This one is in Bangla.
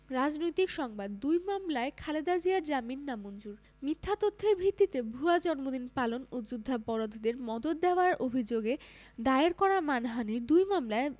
রাজনৈতিক সংবাদ দুই মামলায় খালেদা জিয়ার জামিন নামঞ্জুর মিথ্যা তথ্যের ভিত্তিতে ভুয়া জন্মদিন পালন ও যুদ্ধাপরাধীদের মদদ দেওয়ার অভিযোগে দায়ের করা মানহানির দুই মামলায়